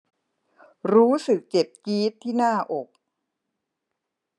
รู้สึกเจ็บจี๊ดที่หน้าอก